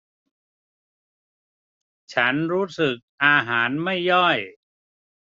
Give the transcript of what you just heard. ฉันรู้สึกอาหารไม่ย่อย